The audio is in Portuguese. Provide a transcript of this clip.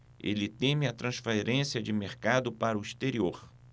ele teme a transferência de mercado para o exterior